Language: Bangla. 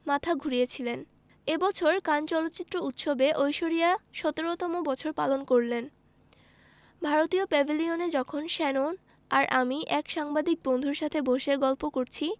মাথা ঘুরিয়েছিলেন এ বছর কান চলচ্চিত্র উৎসবে ঐশ্বরিয়া ১৭তম বছর পালন করলেন ভারতীয় প্যাভিলিয়নে যখন শ্যানন আর আমি এক সাংবাদিক বন্ধুর সাথে বসে গল্প করছি